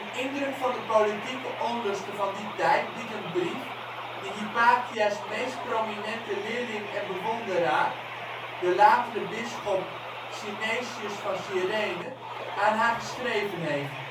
indruk van de politieke onlusten van die tijd biedt een brief, die Hypatia 's meest prominente leerling en bewonderaar, de latere bisschop Synesius van Cyrene, aan haar geschreven heeft